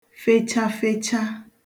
fechafecha